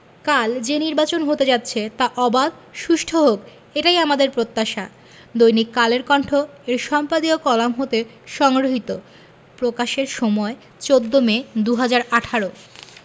কাল যে নির্বাচন হতে যাচ্ছে তা অবাধ সুষ্ঠু হোক এটাই আমাদের প্রত্যাশা দৈনিক কালের কণ্ঠ এর সম্পাদকীয় কলাম হতে সংগৃহীত প্রকাশের সময় ১৪ মে ২০১৮